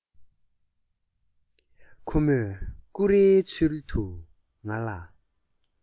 ཁོ མོས ཀུ རེའི ཚུལ དུ ང ལ